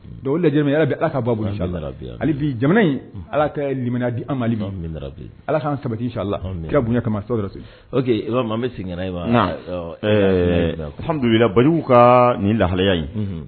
Donc ni lajɛrɛ min ye yarabi Ala k'a b'a bolo inchallah rabi ami halibi jamana in Ala ka limaniya di an Mali ma aamina rabi Ala k'an sabati inchallah aamin kira bonya kama sɔlala rasuli ok imam an be segin kana e ma awɔ ɛɛ alhamdulila Banjugu kaa nin lahalaya in unhun